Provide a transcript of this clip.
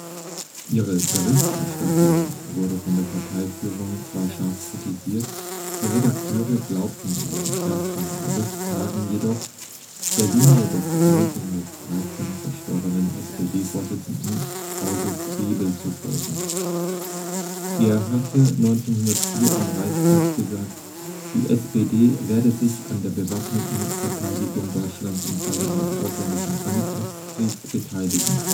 Ihre Berichterstattung wurde von der Parteiführung zwar scharf kritisiert, die Redakteure glaubten in den ersten Augusttagen jedoch, der Linie des 1913 verstorbenen SPD-Vorsitzenden August Bebel zu folgen. Er hatte 1904 im Reichstag gesagt, die SPD werde sich an der bewaffneten Verteidigung Deutschlands im Falle eines ausländischen Angriffskriegs beteiligen